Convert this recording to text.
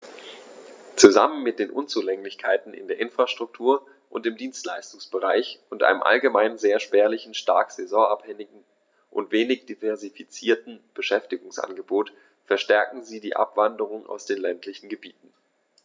Zusammen mit den Unzulänglichkeiten in der Infrastruktur und im Dienstleistungsbereich und einem allgemein sehr spärlichen, stark saisonabhängigen und wenig diversifizierten Beschäftigungsangebot verstärken sie die Abwanderung aus den ländlichen Gebieten.